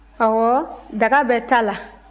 ɔwɔ daga bɛ ta la